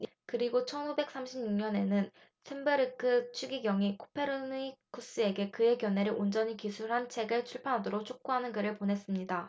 그리고 천 오백 삼십 육 년에는 쇤베르크 추기경이 코페르니쿠스에게 그의 견해를 온전히 기술한 책을 출판하도록 촉구하는 글을 보냈습니다